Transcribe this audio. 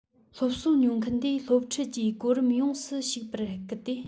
སློབ གསོ མྱོང མཁན དེ སློབ ཁྲིད ཀྱི གོ རིམ ཡོངས སུ ཞུགས པར སྐུལ ཏེ